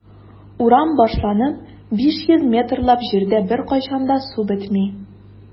Урам башланып 500 метрлап җирдә беркайчан да су бетми.